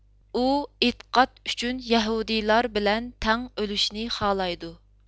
ئۇ ئېتىقاد ئۈچۈن يەھۇدىيلار بىلەن تەڭ ئۆلۈشنى خالايدۇ